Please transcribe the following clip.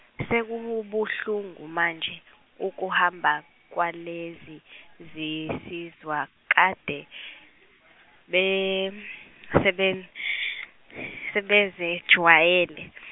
sekubuhlungu manje ukuhamba kwalezizinsizwa kade be- sebe- sebezejwayele.